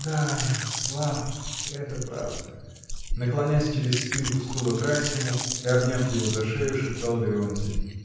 — Да, слаб, это правда, — наклонясь через спинку стула к Райскому и обняв его за шею, шептал Леонтий.